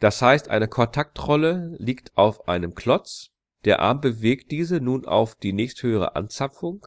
Das heißt eine Kontaktrolle liegt auf einem Klotz, der Arm bewegt diese nun auf die nächsthöhere Anzapfung,